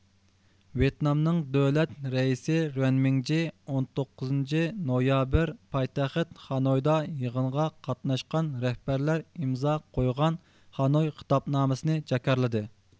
ۋيېتنامنىڭ دۆلەت رەئىسى رۇەنمىڭجې ئون توققۇزىنچى نويابىر پايتەخت خانويدا يىغىنغا قاتناشقان رەھبەرلەر ئىمزا قويغان خانوي خىتابنامىسىنى جاكارلىدى